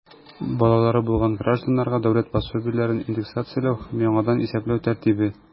Балалары булган гражданнарга дәүләт пособиеләрен индексацияләү һәм яңадан исәпләү тәртибе.